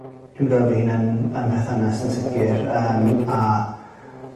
Dwi'n gweld fy hunan yn perthynas yn sicir yym a